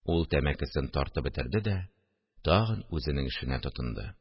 Ул тәмәкесен тартып бетерде дә тагын үзенең эшенә тотынды